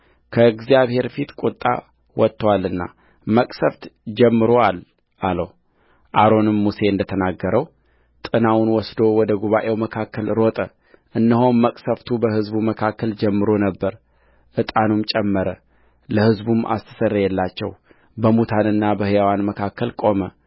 ከእግዚአብሔር ፊት ቍጣ ወጥቶአልና መቅሠፍት ጀምሮአል አለውአሮንም ሙሴ እንደ ተናገረው ጥናውን ወስዶ ወደ ጉባኤው መካከል ሮጠ እነሆም መቅሠፍቱ በሕዝቡ መካከል ጀምሮ ነበር ዕጣንም ጨመረ ለሕዝቡም አስተሰረየላቸውበሙታንና በሕያዋን መካከል ቆመ